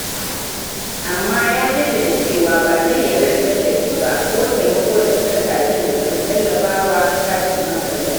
Amma, ya jaddada cewa, ba zai yarda da tallafi ba, ko taimako daga kasashen da suka tallafa wa tashin hankalin.